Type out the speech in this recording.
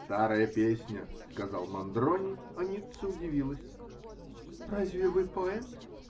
-- Старая песня, -- сказал Мандрони, а Ницца удивилась. -- Разве вы поэт?